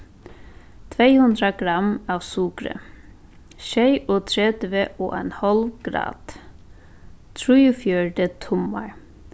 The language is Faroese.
tvey hundrað gramm av sukri sjeyogtretivu og ein hálv grad trýogfjøruti tummar